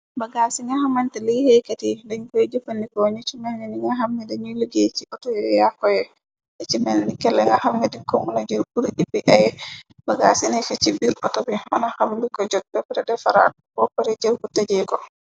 Bagaa ci nga xamante li xeykat yi dañu koy jëfandiko ño ci meln ni nga xam ni dañuy liggéey ci autoyu yàkoye ni ci melni kell nga xam nga dikko nuna jër ur ipa bagaa ci neke ci biir auto bi mëna xam liko jot bepre defaraak poppare jër bu tejee ko.